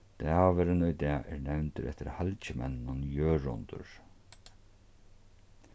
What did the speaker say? dagurin í dag er nevndur eftir halgimenninum jørundur